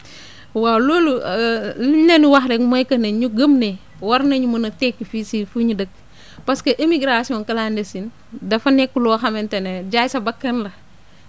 waaw loolu lu ñu leen di wax rek mooy que ne ñu gëm ne war nañu mën a tekki fii si fu ñu dëkk parce que imigration clandestine dafa nekk loo xamante ne jaay sa bakkan la